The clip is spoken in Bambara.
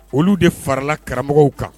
Olu de farala karamɔgɔw kan.